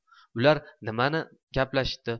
ular nimani gaplashishdi